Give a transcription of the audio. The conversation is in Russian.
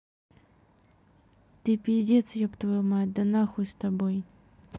ты пиздец еб твою мать да хуй с тобой